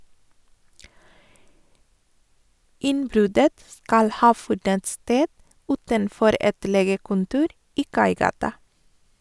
Innbruddet skal ha funnet sted utenfor et legekontor i Kaigata.